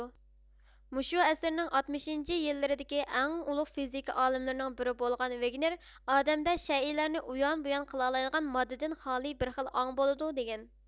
مۇشۇ ئەسىرنىڭ ئاتمىشىنچى يىللىرىدىكى ئەڭ ئۇلۇغ فىزىكا ئالىملىرىنىڭ بىرى بولغان ۋىگنېر ئادەمدە شەيئىلەرنى ئۇيان بۇيان قىلالايدىغان ماددىدىن خالى بىر خىل ئاڭ بولىدۇ دىگەن